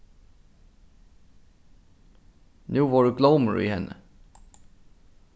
nú vóru glómur í henni